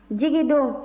jigi dun